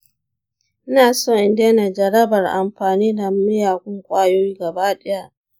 ina so in daina jarabar amfani da miyagun ƙwayoyi gaba ɗaya.